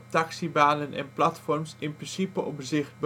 taxibanen en platforms in principe " op zicht